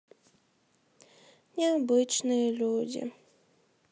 необычные люди